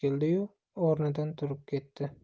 tikildiyu o'rnidan turib ketdi